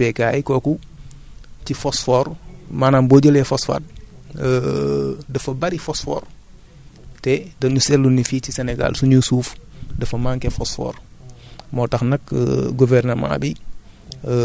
mooy P boobu noonu nekk ci engrais NPK yi kooku ci phosphore maanaam boo jëlee phosphate dafa bari phosphore te dañu seetlu ne fii ci Sénégal suñu suuf dafa manqué phosphore moo tax nag gouvernement bi